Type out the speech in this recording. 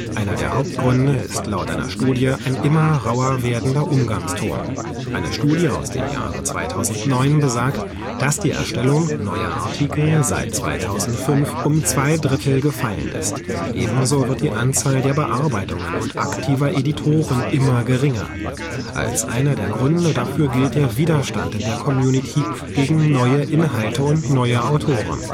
Einer der Hauptgründe ist laut einer Studie ein immer rauer werdender Umgangston. Eine Studie aus dem Jahr 2009 besagt, dass die Erstellung neuer Artikel seit 2005 um ⅔ gefallen ist, ebenso wird die Anzahl der Bearbeitungen und aktiver Editoren immer geringer. Als einer der Gründe dafür gilt der Widerstand in der Community gegen neue Inhalte und neue Autoren